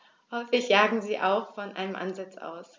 Häufig jagen sie auch von einem Ansitz aus.